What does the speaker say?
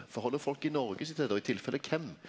forheld folk i Noreg seg til det og i tilfelle kven?